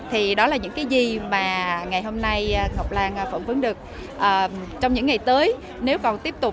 thì đó là những cái gì mà ngày hôm nay ngọc lan phỏng vấn được trong những ngày tới nếu còn tiếp tục